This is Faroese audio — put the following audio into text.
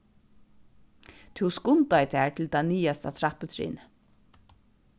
tú skundaði tær til tað niðasta trapputrinið